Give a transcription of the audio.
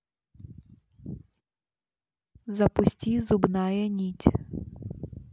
запусти зубная нить